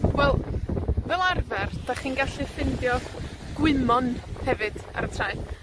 Wel, fel arfer, 'dach chi'n gallu ffindio gwymon hefyd ar y traeth.